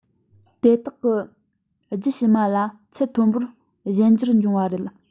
དེ དག གི རྒྱུད ཕྱི མ ལ ཚད མཐོན པོར གཞན འགྱུར འབྱུང བ རེད